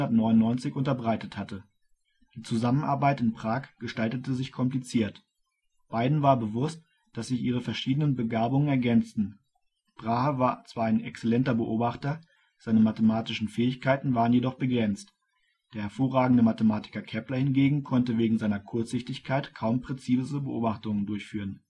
1599 unterbreitet hatte. Die Zusammenarbeit in Prag gestaltete sich kompliziert. Beiden war bewusst, dass sich ihre verschiedenen Begabungen ergänzten. Brahe war zwar ein exzellenter Beobachter, seine mathematischen Fähigkeiten waren jedoch begrenzt. Der hervorragende Mathematiker Kepler hingegen konnte wegen seiner Kurzsichtigkeit kaum präzise Beobachtungen durchführen